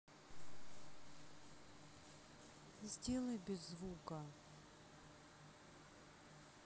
сделай без звука